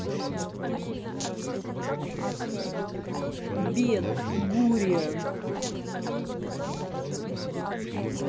бен гурион